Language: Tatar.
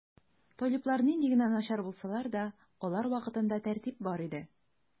Талиблар нинди генә начар булсалар да, алар вакытында тәртип бар иде.